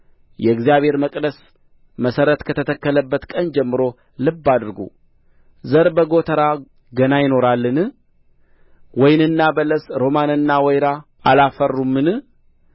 የእግዚአብሔር መቅደስ መሠረት ከተተከለበት ቀን ጀምሮ ልብ አድርጉ ዘር በጎተራ ገና ይኖራልን ወይንና በለስ ሮማንና ወይራ አላፈሩም